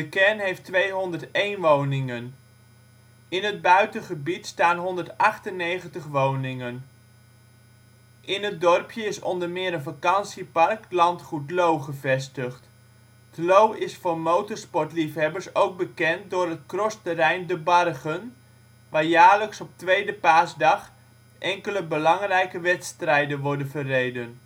kern heeft 201 woningen. In het buitengebied staan 198 woningen. In het dorpje is onder meer een vakantiepark Landgoed ' t Loo gevestigd. ' t Loo is voor motorsport-liefhebbers ook bekend door het crossterrein ' De Bargen ', waar jaarlijks op tweede paasdag enkele belangrijke wedstrijden worden verreden